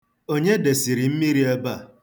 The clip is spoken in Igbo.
Onye desịrị mmiri ebe a?